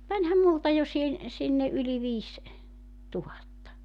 mutta menihän minulta jo siihen sinne yli viisi tuhatta